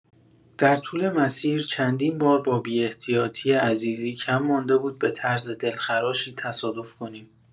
در طول مسیر چندین بار با بی‌احتیاطی عزیزی کم مانده بود به طرز دلخراشی تصادف کنیم.